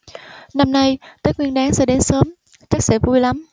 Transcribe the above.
năm nay tết nguyên đán sẽ đến sớm chắc sẽ vui lắm